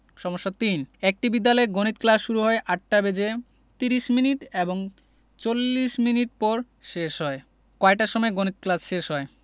সমস্যা ৩ একটি বিদ্যালয়ে গণিত ক্লাস শুরু হয় ৮টা বেজে ৩০ মিনিট এবং ৪০ মিনিট পর শেষ হয় কয়টার সময় গণিত ক্লাস শেষ হয়